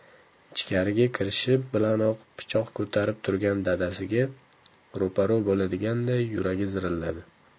ichkariga kirishi bilanoq pichoq ko'tarib turgan dadasiga ro'para bo'ladiganday yuragi zirillardi